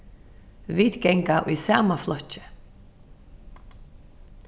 vit ganga í sama flokki